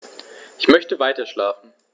Ich möchte weiterschlafen.